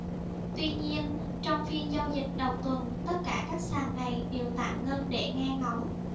tuy nhiên trong phiên giao dịch đầu tuần tất cả các sàn này đều tạm ngưng để nghe ngóng